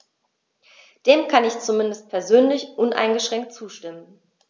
Dem kann ich zumindest persönlich uneingeschränkt zustimmen.